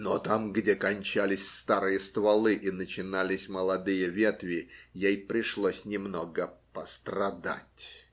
Но там, где кончались старые стволы и начинались молодые ветви, ей пришлось немного пострадать.